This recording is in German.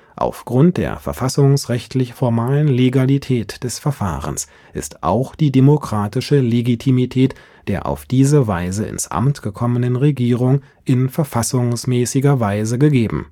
Aufgrund der verfassungsrechtlich formellen Legalität des Verfahrens ist auch die demokratische Legitimität der auf diese Weise ins Amt gekommenen Regierung in verfassungsgemäßer Weise gegeben